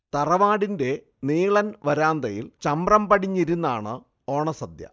തറവാടിന്റെ നീളൻ വരാന്തയിൽ ചമ്രം പടിഞ്ഞിരുന്നാണ് ഓണസദ്യ